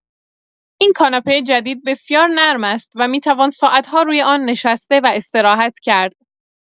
این کاناپه جدید بسیار نرم است و می‌توان ساعت‌ها روی آن نشسته و استراحت کرد.